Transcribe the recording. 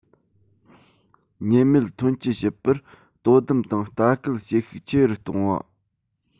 ཉེན མེད ཐོན སྐྱེད བྱེད པར དོ དམ དང ལྟ སྐུལ བྱེད ཤུགས ཆེ རུ གཏོང བ